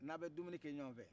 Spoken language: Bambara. n'aw bɛ dumunikɛ ɲwan fɛ